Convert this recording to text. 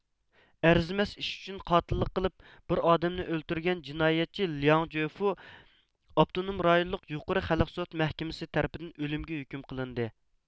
ئەرزىمەس ئىش ئۈچۈن قاتىللىق قىلىپ بىر ئادەمنى ئۆلتۈرگەن جىنايەتچى لياڭ جۆفۇ ئاپتونوم رايونلۇق يۇقىرى خەلق سوت مەھكىمىسى تەرىپىدىن ئۆلۈمگە ھۆكۈم قىلىندى